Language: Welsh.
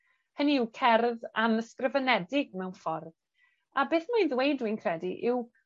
Hynny yw cerdd anysgrifenedig mewn ffordd. A beth mae'n ddweud dwi'n credu yw